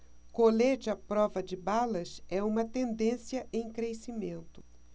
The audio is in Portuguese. colete à prova de balas é uma tendência em crescimento